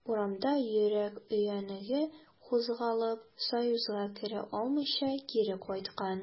Урамда йөрәк өянәге кузгалып, союзга керә алмыйча, кире кайткан.